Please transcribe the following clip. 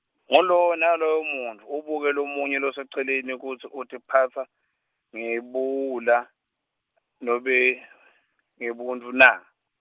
ngulowo nalowo muntfu ubuka lomunye loseceleni kutsi utiphatsa, ngebuwula nobengebuntfu na?